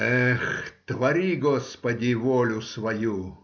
Эх, твори, господи, волю свою.